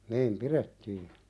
niin pidettiin